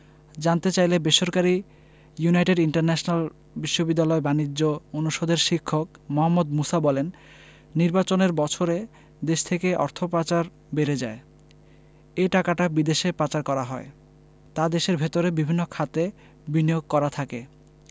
জানতে চাইলে বেসরকারি ইউনাইটেড ইন্টারন্যাশনাল বিশ্ববিদ্যালয়ের বাণিজ্য অনুষদের শিক্ষক মোহাম্মদ মুসা বলেন নির্বাচনের বছরে দেশ থেকে অর্থ পাচার বেড়ে যায় এ টাকাটা বিদেশে পাচার করা হয় তা দেশের ভেতরে বিভিন্ন খাতে বিনিয়োগ করা থাকে